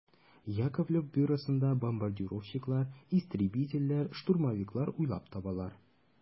Яковлев бюросында бомбардировщиклар, истребительләр, штурмовиклар уйлап табалар.